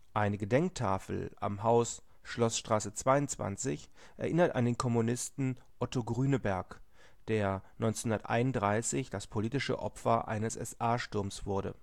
Eine Gedenktafel am Haus Schloßstraße 22 erinnert an den Kommunisten Otto Grüneberg, der 1931 das politische Opfer eines SA-Sturms wurde